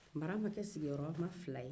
mara ma kɛ sigiyɔrɔma fila ye